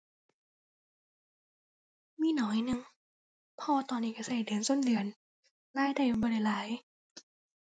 มีหน่อยหนึ่ง เพราะตอนนี้ก็ก็เดือนก็เดือน รายได้มันบ่ได้หลาย